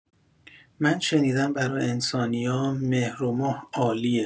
من شنیدم برا انسانیا مهر و ماه عالیه